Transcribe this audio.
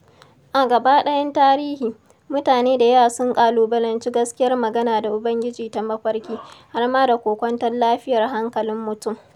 A gaba ɗayan tarihi, mutane da yawa sun ƙalubalanci gaskiyar magana da ubangiji ta mafarki, har ma da kokwanton lafiyar hankalin mutum.